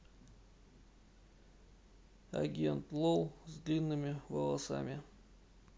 агент лол с длинными волосами